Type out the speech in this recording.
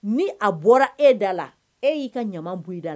Ni a bɔra e da la, e y'i ka ɲama bɔ i da